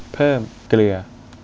เพิ่มเกลือ